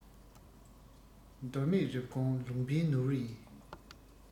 མདོ སྨད རེབ གོང ལུང པའི ནོར བུ ཡིན